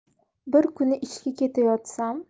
bir kuni ishga ketayotsam